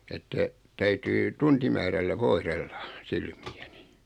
että täytyy tuntimäärällä voidella silmiäni